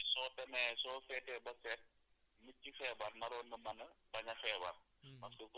nit soo demee soo seetee ba seet lim ci feebar war naroon na mën a bañ a feebar